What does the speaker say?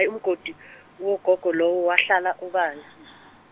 e- umgodi wogogo lowo wahlala obala.